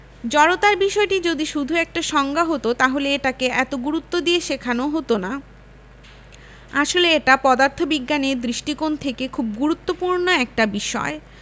জড়তার বিষয়টি যদি শুধু একটা সংজ্ঞা হতো তাহলে এটাকে এত গুরুত্ব দিয়ে শেখানো হতো না আসলে এটা পদার্থবিজ্ঞানের দৃষ্টিকোণ থেকে খুব গুরুত্বপূর্ণ একটা বিষয়